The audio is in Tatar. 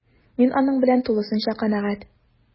Мин аның белән тулысынча канәгать: